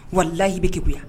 Walayii bɛ kɛ bonya